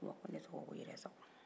wa ko ne tɔgɔ yɛrɛ sago